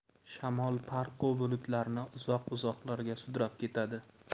shamol parqu bulutlarni uzoq uzoqlarga sudrab ketadi